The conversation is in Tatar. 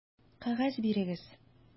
Кәгазь бирегез!